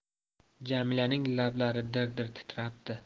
jamilaning lablari dir dir titrabdi